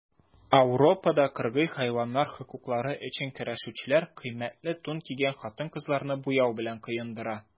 Ауропада кыргый хайваннар хокуклары өчен көрәшүчеләр кыйммәтле тун кигән хатын-кызларны буяу белән коендыра.